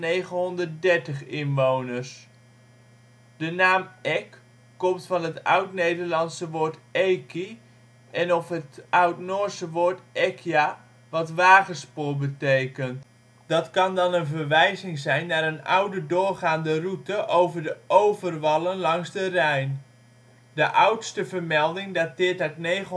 in 2006 930 inwoners. De naam Eck komt van het oud-Nederlandse woord eki en/of het Oudnoorse woord ekja, wat wagenspoor betekent. Dat kan dan een verwijzing zijn naar een oude doorgaande route over de overwallen langs de Rijn. De oudste vermelding dateert uit 953 en komt